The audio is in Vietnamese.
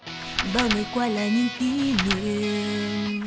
bao ngày qua là những kỉ niệm kỉ niệm